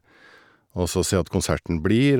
Og så se at konserten blir.